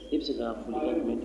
I bɛ se ka'a f yɔrɔ minɛ